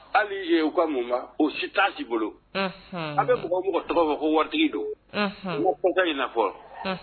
Hali'i ye u ka mun ma o si t si bolo an bɛ mɔgɔw mɔgɔ tɔgɔ fɔ ko waatitigi don mɔgɔ kokan infɔ